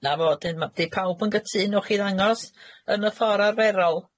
'Na fo' 'dyn ma'-... 'Di pawb yn gytûn, newch i ddangos, yn y ffor arferol?